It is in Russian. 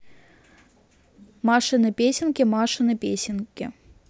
машины песенки машины песенки